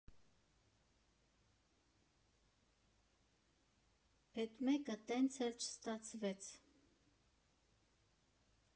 Էդ մեկը տենց էլ չստացվեց։